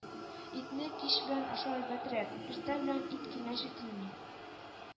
Итне кич белән ашау әйбәтрәк, иртә белән ит киңәш ителми